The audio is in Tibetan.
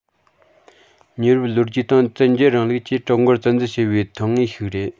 ཉེ རབས ལོ རྒྱུས སྟེང བཙན རྒྱལ རིང ལུགས ཀྱིས ཀྲུང གོར བཙན འཛུལ བྱས པའི ཐོན དངོས ཤིག རེད